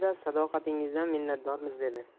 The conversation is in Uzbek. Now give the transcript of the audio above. da sadoqatingizdan minnatdormiz dedi